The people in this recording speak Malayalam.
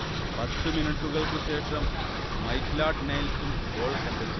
പത്ത് മിനുട്ടുകൾക്ക് ശേഷം മൈറ്റ്ലാഡ് നൈൽസും ഗോൾ കണ്ടെത്തി